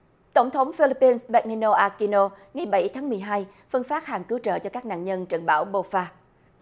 tổng thống phi líp pin ba ni nô a quy nô ngày bảy tháng mười hai phân phát hàng cứu trợ cho các nạn nhân trận bão bô pha